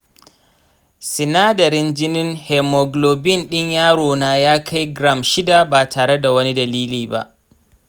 sinadarin jinin haemoglobin ɗin yaro na ya kai gram shida ba tare da wani dalili ba.